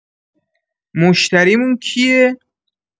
مشتری‌مون کیه؟